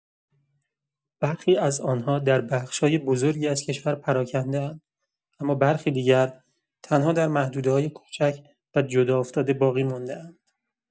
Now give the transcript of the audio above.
برخی از آن‌ها در بخش بزرگی از کشور پراکنده‌اند، اما برخی دیگر تنها در محدوده‌های کوچک و جداافتاده باقی مانده‌اند.